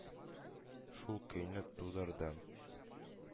Шул көйне тудырдым.